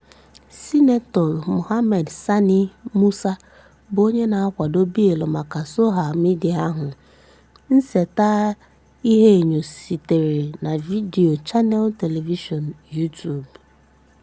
Sinetọ Mohammed Sani Musa bụ onye nkwado bịịlụ maka soshaa midịa ahụ. Nseta ihuenyo sitere na vidiyo Channel Television You Tube.